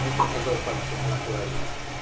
Он показал пальцем на акварий.